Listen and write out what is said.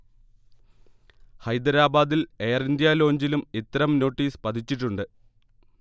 ഹൈദരാബാദിൽ എയർഇന്ത്യ ലോഞ്ചിലും ഇത്തരം നോട്ടീസ് പതിച്ചിട്ടുണ്ട്